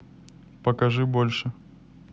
покажи больше